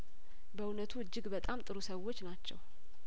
በእውነቱ እጅግ በጣም ጥሩ ሰዎች ናቸው